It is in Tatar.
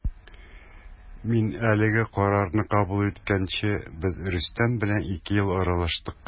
Мин әлеге карарны кабул иткәнче без Рөстәм белән ике ел аралаштык.